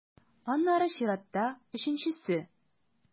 Аннары чиратта - өченчесе.